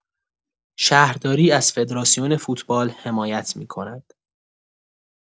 شهرداری از فدراسیون فوتبال حمایت می‌کند.